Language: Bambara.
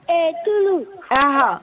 Ɛɛ tlu ahɔn